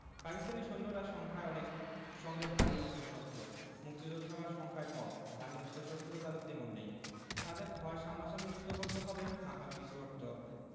পাকিস্তানি সৈন্যরা সংখ্যায় অনেক সঙ্গে ভারী অস্ত্রশস্ত্র মুক্তিযোদ্ধারা সংখ্যায় কম ভারী অস্ত্রশস্ত্র তাঁদের তেমন নেই তাঁদের হয় সামনাসামনি যুদ্ধ করতে হবে না হয় পিছু হটতে হবে